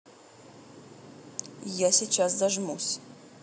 я сейчас зажмусь